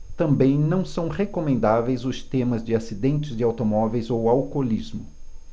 também não são recomendáveis os temas de acidentes de automóveis ou alcoolismo